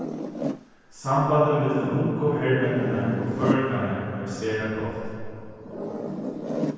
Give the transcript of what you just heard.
sambandið millum ungu hermenninar og føroyingarnar var sera gott